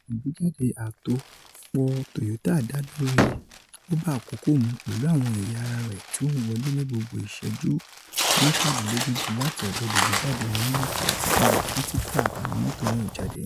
Ìgbéjáde àtòpọ̀ Toyota dá lórí i “ó bá àkókò mu”, pẹ̀lú àwọn ẹ̀yà ara rẹ̀ tí ó ń wọlé ní gbogbo ìṣẹ́jú 37 láti ọ̀dọ̀ olùgbéjáde wọn ní UK àti EU fún títa àwọn mọ́tò náà jáde.